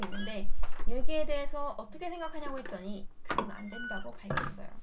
있는데 여기에 대해서 어떻게 생각하느냐고 했더니 그건 안 된다라고 밝혔어요